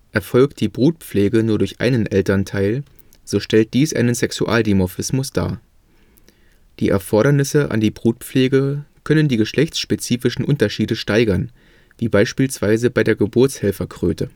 Erfolgt die Brutpflege nur durch einen Elternteil, so stellt dies einen Sexualdimorphismus dar. Die Erfordernisse an die Brutpflege können die geschlechtsspezifischen Unterschiede steigern, wie beispielsweise bei der Geburtshelferkröte